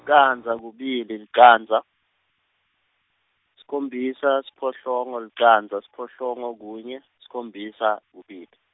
candza kubili licandza, sikhombisa siphohlongo licandza siphohlongo kunye, sikhombisa kubili.